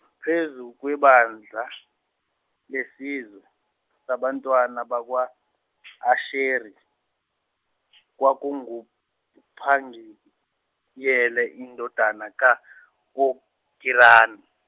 phezu kwebandla lesizwe, sabantwana bakwa-Asheri, kwakunguPangiyeli indodana ka-Okirani.